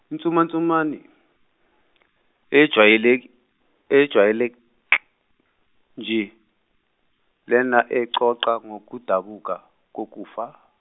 insumansumane, ejwayelek-, ejwayelek- nje, lena exoxa ngokudabuka kokufa.